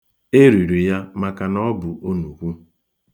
E riri ya maka na ọ bụ onukwu.